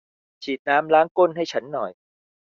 ฉีดน้ำล้างก้นให้ฉันหน่อย